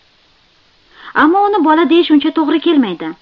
ammo uni bola deyish uncha to'g'ri kelmaydi